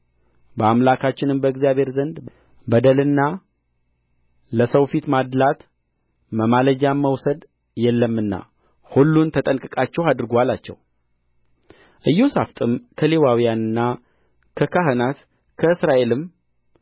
በአምላካችንም በእግዚአብሔር ዘንድ በደልና ለሰው ፊት ማድላት መማለጃም መውሰድ የለምና ሁሉን ተጠንቅቃችሁ አድርጉ አላቸው ኢዮሣፍጥም ከሌዋውያንና ከካህናት ከእስራኤልም